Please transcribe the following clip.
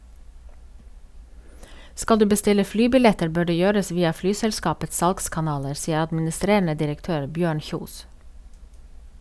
Skal du bestille flybilletter bør det gjøres via flyselskapets salgskanaler, sier administrerende direktør Bjørn Kjos.